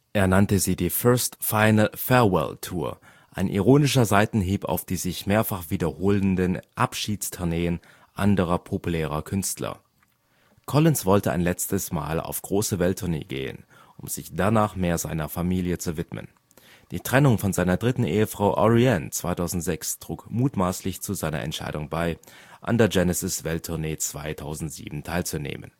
Er nannte sie die First Final Farewell Tour, ein ironischer Seitenhieb auf die sich mehrfach wiederholenden „ Abschieds “- Tourneen anderer populärer Künstler. Collins wollte ein letztes Mal auf große Welt-Tournee gehen, um sich danach mehr seiner Familie zu widmen. Die Trennung von seiner dritten Ehefrau Orianne 2006 trug mutmaßlich zu seiner Entscheidung bei, an der geplanten Genesis-Welt-Tournee 2007 teilzunehmen